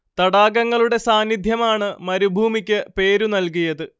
തടാകങ്ങളുടെ സാന്നിദ്ധ്യമാണ് മരുഭൂമിക്ക് പേരു നൽകിയത്